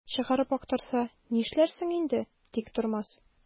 Чыгарып актарса, нишләрсең инде, Тиктормас?